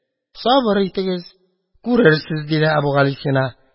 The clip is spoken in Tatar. Сабыр итегез, күрерсез, – диде Әбүгалисина.